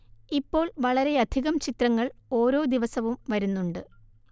ഇപ്പോൾ വളരെയധികം ചിത്രങ്ങൾ ഓരോ ദിവസവും വരുന്നുണ്ട്